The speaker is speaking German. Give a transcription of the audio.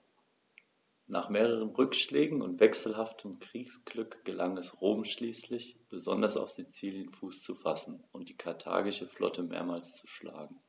Nach mehreren Rückschlägen und wechselhaftem Kriegsglück gelang es Rom schließlich, besonders auf Sizilien Fuß zu fassen und die karthagische Flotte mehrmals zu schlagen.